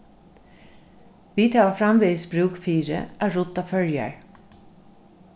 vit hava framvegis brúk fyri at rudda føroyar